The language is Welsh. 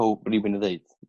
powb rywun yn ddeud